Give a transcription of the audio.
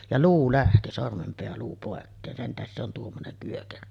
ja luu lähti sormenpääluu pois sen tähden se on tuommoinen pyökerö